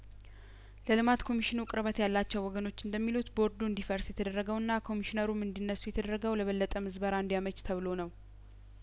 ለልማት ኮሚሽኑ ቅርበት ያላቸው ወገኖች እንደሚሉት ቦርዱ እንዲ ፈርስ የተደረገውና ኮሚሽነሩም እንዲ ነሱ የተደረገው ለበለጠምዝበራ እንዲ ያመች ተብሎ ነው